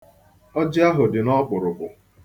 Ọjị ahụ dị n'ọkpụrụkpụ.